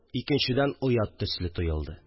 Икенчедән оят төсле тоелды